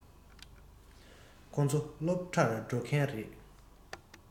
ཁོ ཚོ སློབ གྲྭར འགྲོ མཁན རེད